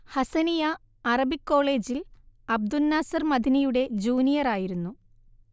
Hasaniya Arabic കോളേജിൽ അബ്ദുന്നാസിർ മദനിയുടെ ജൂനിയറായിരുന്നു